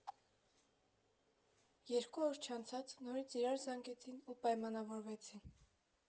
Երկու օր չանցած նորից իրար զանգեցին ու պայմանավորվեցին.